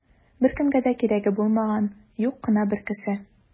Беркемгә дә кирәге булмаган юк кына бер кеше.